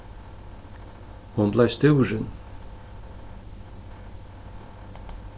hon bleiv stúrin